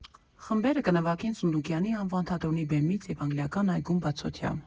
Խմբերը կնվագեն Սունդուկյանի անվան թատրոնի բեմից և Անգլիական այգում՝ բացօթյա։